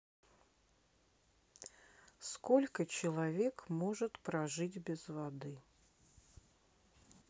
сколько человек может прожить без воды